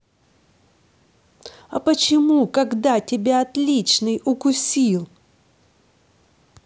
а почему тогда тебя отличный укусил